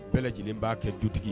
Bɛɛ lajɛlen b'a kɛ dutigi